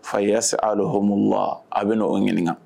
Fa yasaluhumu laahu A bɛna o ɲininka.